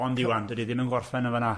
Ond Iwan, dydi ddim yn gorffen yn fan'na.